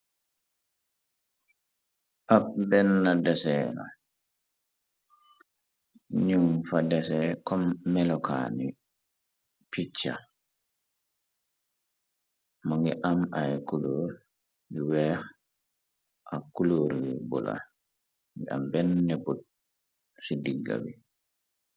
ab benn desee na num fa desee kom melokaani picca mo ngi am ay kulur yu weex ak kuluoryi bu la yi ab benn nepput ci digga bi